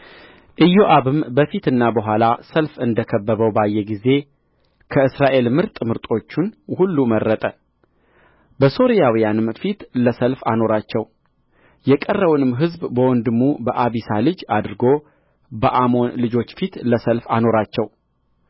ኢዮአብም በፊትና በኋላ ሰልፍ እንደ ከበበው ባየ ጊዜ ከእስራኤል ምርጥ ምርጦቹን ሁሉ መረጠ በሶርያውያንም ፊት ለሰልፍ አኖራቸው የቀረውንም ሕዝብ በወንድሙ በአቢሳ እጅ አድርጎ በአሞን ልጆች ፊት ለሰልፍ አኖራቸው